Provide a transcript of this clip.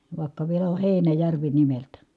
vaikka vielä on Heinäjärvi nimeltään